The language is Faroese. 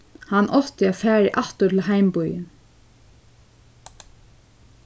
hann átti at farið aftur til heimbýin